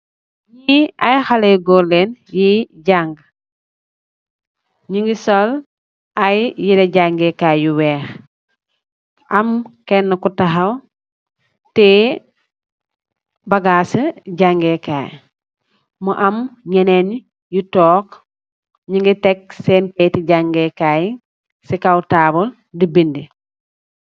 'Ni ay xale góorleen yi jàng ñi ngi sol ay yire jangeekaay yu weex am kenn ku taxaw tée bagaasi jàngeekaay mu am ñeneeñ yu took ñi ngi tekk seen peeti jangeekaay ci kaw taabal di bindi